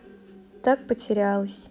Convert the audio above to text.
так потерялось